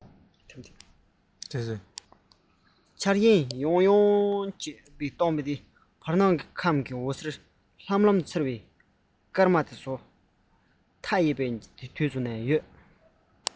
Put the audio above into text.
འཆར ཡན ཡང ཡང བྱས སྟོང བའི བར སྣང ཁམས འོད ཟེར ལམ ལམ འཚེར བའི སྐར ཚོགས རྟོག བཟོ དང འཆར ཡན ཀློང ལ འབྱམས དུས